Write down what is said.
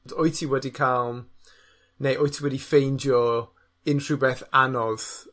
wyt ti wedi ca'l neu wyt ti wedi ffeindio unrhyw beth anodd